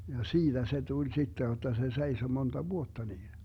ja siitä se tuli sitten jotta se seisoi monta vuotta niin